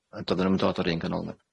A do'dden nw'm yn dod o'r un ganolfan.